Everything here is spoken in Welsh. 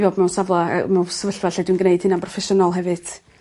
i fod mewn safle yy mewn sefyllfa lle dwi'n gneud hynna'n broffesiynol hefyd.